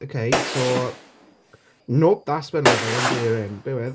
*Ok so nope, that's when Love Island's airing bare with."